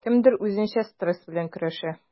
Кемдер үзенчә стресс белән көрәшә.